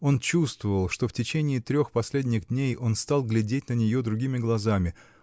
Он чувствовал, что в течение трех последних дней он стал глядеть на нее другими глазами